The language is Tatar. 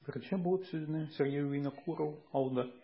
Беренче булып сүзне Сергей Винокуров алды.